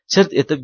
chirt etib